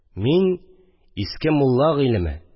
Мин – иске мулла гыйлеме